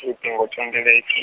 ḽitongo thendeleki.